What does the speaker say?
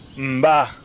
nba